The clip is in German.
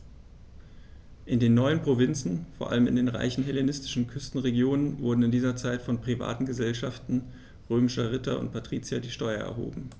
In den neuen Provinzen, vor allem in den reichen hellenistischen Küstenregionen, wurden in dieser Zeit von privaten „Gesellschaften“ römischer Ritter und Patrizier die Steuern erhoben.